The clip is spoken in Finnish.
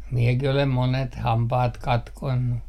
minäkin olen monet hampaat katkonut